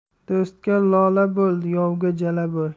do'stga lola bo'l yovga jala bo'l